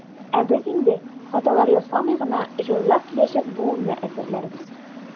Ә без инде, хаталар ясамый гына, җайлап киләчәк буынны әзерләрбез.